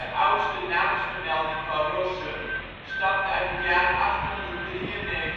oudste naamsvermelding van Rossum stamt uit het jaar 893. In een